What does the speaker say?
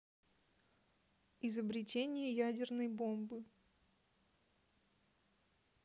изобретение ядерной бомбы